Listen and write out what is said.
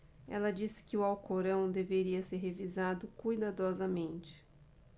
ela disse que o alcorão deveria ser revisado cuidadosamente